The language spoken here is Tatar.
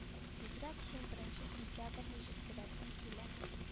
Тизрәк шул беренче сентябрьне җиткерәсем килә